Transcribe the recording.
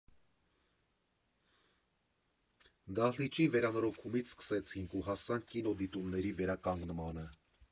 Դահլիճի վերանորոգումից սկսեցինք ու հասանք կինոդիտումների վերականգնմանը։